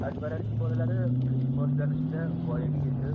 akbaraning bolalari qish boshlanishida voyaga yetib